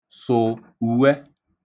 sụ̀ ùwẹ